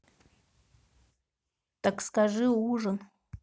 так скажи ужин